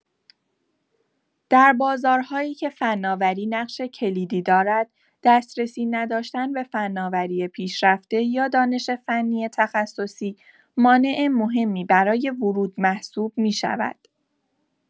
در بازارهایی که فناوری نقش کلیدی دارد، دسترسی نداشتن به فناوری پیشرفته یا دانش فنی تخصصی، مانع مهمی برای ورود محسوب می‌شود.